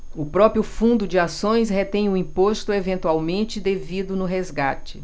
o próprio fundo de ações retém o imposto eventualmente devido no resgate